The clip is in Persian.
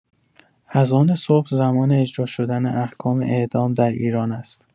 اذان صبح زمان اجرا شدن احکام اعدام در ایران است.